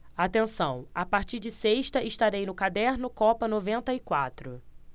atenção a partir de sexta estarei no caderno copa noventa e quatro